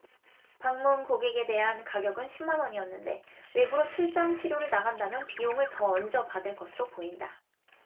방문 고객에 대한 가격은 십 만원이었는데 외부로 출장 치료를 나간다면 비용을 더 얹어 받을 것으로 보인다